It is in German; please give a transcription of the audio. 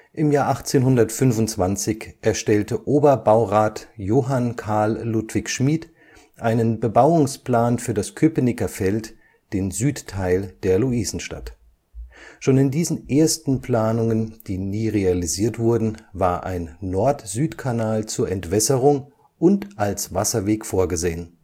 Im Jahr 1825 erstellte Oberbaurat Johann Carl Ludwig Schmid einen Bebauungsplan für das Köpenicker Feld, den Südteil der Luisenstadt. Schon in diesen ersten Planungen, die nie realisiert wurden, war ein Nord-Süd-Kanal zur Entwässerung und als Wasserweg vorgesehen